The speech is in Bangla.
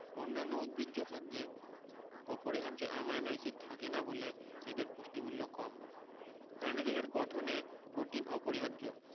অন্যান্য উদ্ভিজ্জ খাদ্যে অপরিহার্য অ্যামাইনো এসিড থাকে না বলে এদের পুষ্টিমূল্য কম প্রাণীদেহের গঠনে প্রোটিন অপরিহার্য